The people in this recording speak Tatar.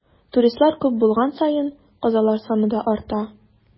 Туристлар күп булган саен, казалар саны да арта.